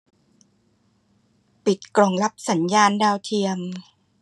ปิดกล่องรับสัญญาณดาวเทียม